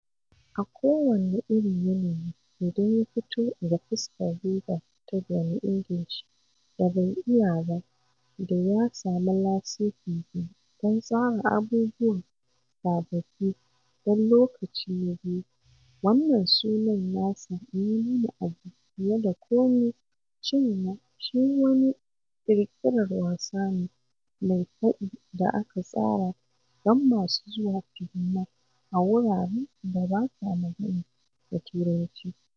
A kowane irin yanayi, idon ya fito ga fuskar roba ta Johnny English da bai iya ba da ya sami lasisinsa don tsara abubuwa sababbi don lokaci na biyu - wannan sunan nasa ya nuna abu fiye da kome cewa shi wani ƙirƙirar wasa ne mai faɗi da aka tsara don masu zuwa silima a wuraren da ba sa magana da Turanci.